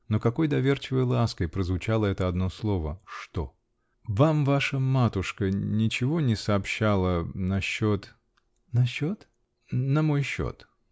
Но какой доверчивой лаской прозвучало это одно слово: "что?" -- Вам ваша матушка ничего не сообщала. насчет. -- Насчет? -- На мой счет?